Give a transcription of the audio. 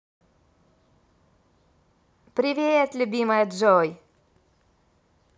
привет любимая джой